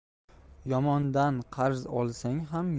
yomondan qarz olsang ham